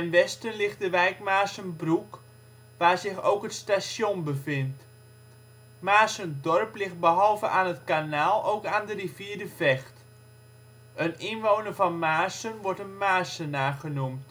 westen ligt de wijk Maarssenbroek, waar zich ook het station bevindt. Maarssen-Dorp ligt behalve aan het kanaal ook aan de rivier de Vecht. Een inwoner van Maarssen wordt een Maarssenaar genoemd